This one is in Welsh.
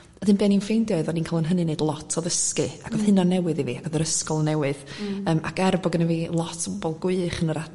a 'dyn be oni'n ffeindio oedd oni'n ca'l fy nhynnu i neud lot o ddysgu ac o'dd hyna'n newydd i fi o'dd yr Ysgol yn newydd yym ac er bo' gyno fi lot o bobl gwych yn yr